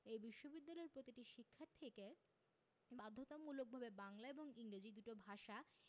এই বিশ্ববিদ্যালয়ে প্রতিটি শিক্ষার্থীকে বাধ্যতামূলকভাবে বাংলা এবং ইংরেজি দুটো ভাষা